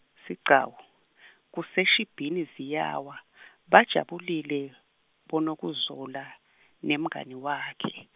Sigcawu, Kuseshibhini ziyawa, bajabulile, boNokuzola, nemngani wakhe.